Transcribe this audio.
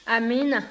amiina